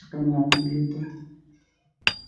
cadaawato